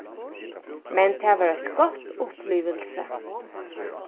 men tað var eitt gott upplivilsi